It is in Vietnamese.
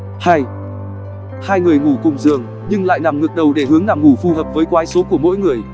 hai người ngủ cùng giường nhưng lại nằm ngược đầu để hướng nằm ngủ phù hợp với quái số của mỗi người